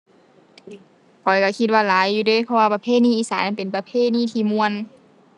ข้อยก็คิดว่าหลายอยู่เดะ เพราะว่าประเพณีอีสานมันเป็นประเพณีที่ม่วน